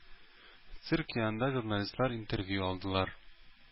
Цирк янында журналистлар интервью алдылар.